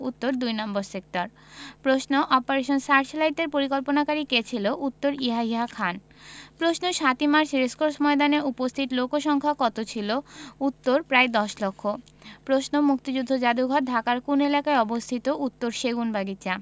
উত্তর দুই নম্বর সেক্টর প্রশ্ন অপারেশন সার্চলাইটের পরিকল্পনাকারী কে ছিল উত্তর ইয়াহিয়া খান প্রশ্ন ৭ই মার্চ রেসকোর্স ময়দানে উপস্থিত লোকসংক্ষা কত ছিলো উত্তর প্রায় দশ লক্ষ প্রশ্ন মুক্তিযুদ্ধ যাদুঘর ঢাকার কোন এলাকায় অবস্থিত উত্তরঃ সেগুনবাগিচা